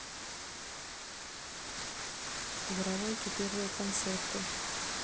воровайки первые концерты